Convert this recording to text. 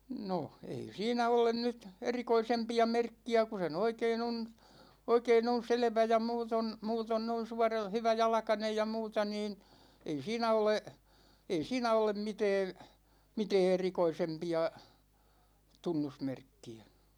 no ei siinä ole nyt erikoisempia merkkiä kun se nyt oikein on oikein on selvä ja muuten muuten noin - hyväjalkainen ja muuta niin ei siinä ole ei siinä ole mitään mitään erikoisempia tunnusmerkkiä